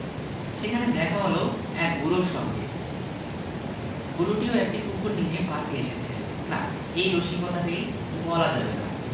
সেখানে দেখা হল এক বুড়োর সঙ্গে বুড়োটিও একটি কুকুর নিয়ে পার্কে এসেছে না এই রসিকতাটি বলা যাবে না